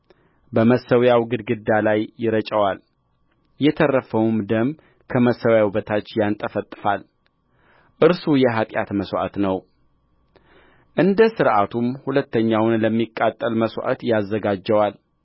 በመሠዊያው ግድግዳ ላይ ይረጨዋል የተረፈውም ደም ከመሠዊያው በታች ይንጠፈጠፋል እርሱ የኃጢአት መሥዋዕት ነውእንደ ሥርዓቱም ሁለተኛውን ለሚቃጠል መሥዋዕት ያዘጋጀዋል